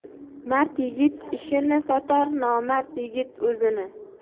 mard yigit izini sotar nomard yigit o'zini